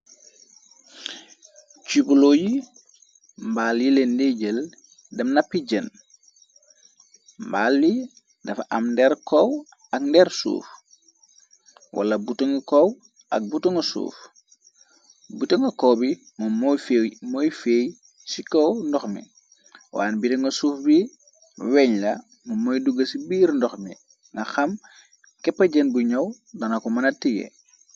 Cubuloo yi, mbaal yile ndiejël, dem na pi jen, mbaal yi dafa am nder kow, ak nder suuf, wala buta nga kow, ak buto nga suuf, buta nga kow bi moo mooy feey ci kow ndox mi, waan biri nga suuf bi weñ la, mu mooy duga ci biir ndox mi, nga xam keppe jen bu ñaw, dana ko mëna tiye.